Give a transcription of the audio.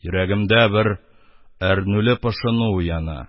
Йөрәгемдә бер әрнүле пошыну уяна.